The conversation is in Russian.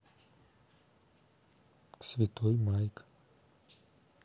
святой майк